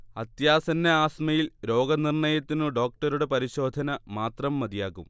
അത്യാസന്ന ആസ്മയിൽ രോഗനിർണയത്തിനു ഡോക്ടറുടെ പരിശോധന മാത്രം മതിയാകും